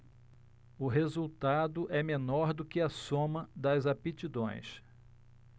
o resultado é menor do que a soma das aptidões